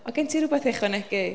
A oedd gen ti rywbeth i'w ychwanegu?